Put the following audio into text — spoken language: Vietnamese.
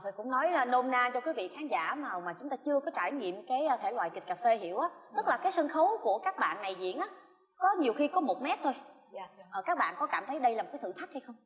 cũng nói nôm na cho quý vị khán giả nào mà chúng ta chưa có trải nghiệm cái thể loại kịch cà phê hiểu tức là các sân khấu của các bạn này diễn á có nhiều khi có một mét thôi các bạn có cảm thấy đây là một thử thách hay không